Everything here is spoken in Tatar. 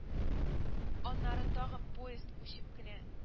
Аннары тагын поезд, күчеп кенә у